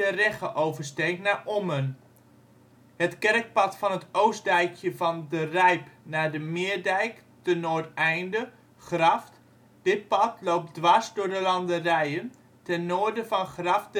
Regge oversteekt naar Ommen het kerkpad van het Oostdijkje van De Rijp naar de Meerdijk te Noordeinde (Graft). Dit pad loop dwars door de landerijen ten noorden van Graft